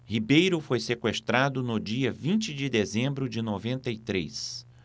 ribeiro foi sequestrado no dia vinte de dezembro de noventa e três